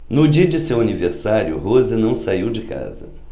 no dia de seu aniversário rose não saiu de casa